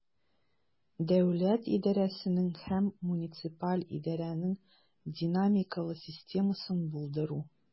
Дәүләт идарәсенең һәм муниципаль идарәнең динамикалы системасын булдыру.